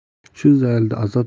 shu zaylda azob